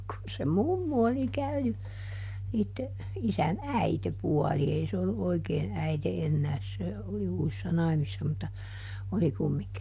kun se mummu oli käynyt niiden isän äitipuoli ei se ollut oikein äiti enää se oli uusissa naimisissa mutta oli kumminkin